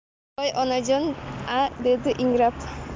voy onajon a dedi ingrab